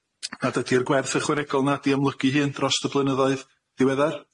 nad ydi'r gwerth ychwanegol 'na 'di amlygu 'i hun dros y blynyddoedd ddiweddar,